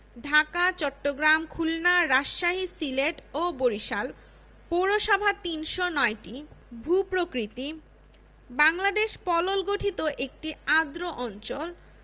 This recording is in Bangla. ঢাকা চট্টগ্রাম খুলনা রাজশাহী সিলেট ও বরিশাল পৌরসভা ৩০৯টি ভূ প্রকৃতিঃ বাংলদেশ পলল গঠিত একটি আর্দ্র অঞ্চল